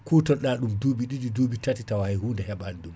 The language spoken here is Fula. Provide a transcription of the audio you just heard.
kutoroɗa ɗum duuɓi ɗiɗi duuɓi taati taw hay hunde heɓani ɗum